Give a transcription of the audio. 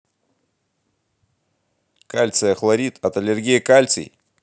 кальция хлорид от аллергии кальций